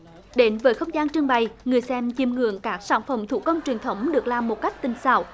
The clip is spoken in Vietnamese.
đến với không gian trưng bày người xem chiêm ngưỡng các sản phẩm thủ công truyền thống được làm một cách tinh xảo